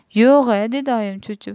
yo'g' e dedi oyim cho'chib